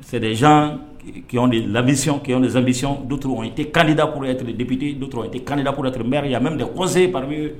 Sɛdz de misiɔn zanmisiy donto i tɛ kanlida pyatu debite donto a tɛ kanlidakoro t nba yanme de kɔse bara